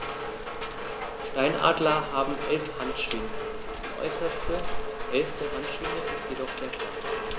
Steinadler haben 11 Handschwingen, die äußerste (11.) Handschwinge ist jedoch sehr klein.